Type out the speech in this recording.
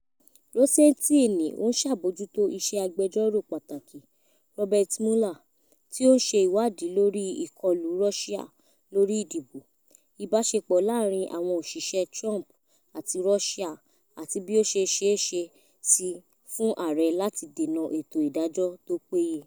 Rosensteinní ó ń ṣàbójútó iṣẹ́ àgbẹjọ́rò pàtàkì Robert Mueller, tí ó ń ṣe ìwádìí lórí i ìkọlù Rọ́ṣíà lórí ìdìbò, ìbáṣepọ̀ láàrin àwọn òṣiṣẹ́ Trump àti Rọ́ṣíà àti bí ó ṣe ṣẹéṣe sí fún ààrẹ láti dènà ètò ìdájọ tó péye.